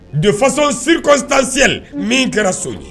Don fasosa siritan selili min kɛra so ye